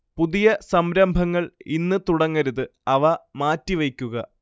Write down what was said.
പുതിയ സംരംഭങ്ങൾ ഇന്ന് തുടങ്ങരുത് അവ മാറ്റിവയ്ക്കുക